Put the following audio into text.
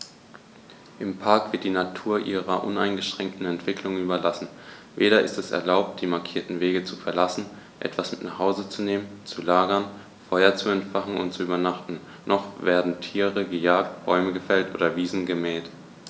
Im Park wird die Natur ihrer uneingeschränkten Entwicklung überlassen; weder ist es erlaubt, die markierten Wege zu verlassen, etwas mit nach Hause zu nehmen, zu lagern, Feuer zu entfachen und zu übernachten, noch werden Tiere gejagt, Bäume gefällt oder Wiesen gemäht.